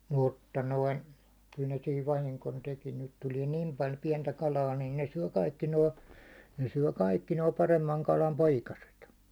mutta noin kyllä ne siinä vahingon teki nyt tulee niin paljon pientä kalaa niin ne syö kaikki nuo ne syö kaikki nuo paremman kalan poikaset